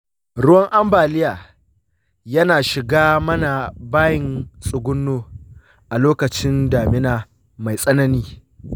ruwan ambaliya yana shiga mana bayin tsuguno a lokacin damina mai tsanani.